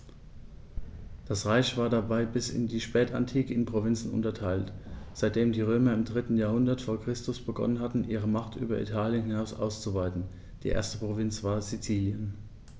Das Reich war dabei bis in die Spätantike in Provinzen unterteilt, seitdem die Römer im 3. Jahrhundert vor Christus begonnen hatten, ihre Macht über Italien hinaus auszuweiten (die erste Provinz war Sizilien).